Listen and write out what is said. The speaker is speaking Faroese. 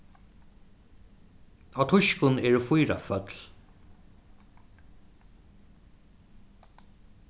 á týskum eru fýra føll